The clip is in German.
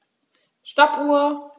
Stoppuhr.